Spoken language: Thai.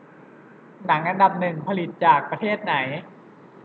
หนังอันดับหนึ่งผลิตจากประเทศไหน